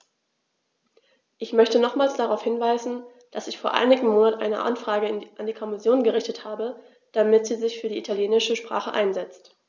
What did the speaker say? Ich möchte nochmals darauf hinweisen, dass ich vor einigen Monaten eine Anfrage an die Kommission gerichtet habe, damit sie sich für die italienische Sprache einsetzt.